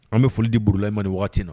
An bɛ foli di Burulayi ma nin waati in na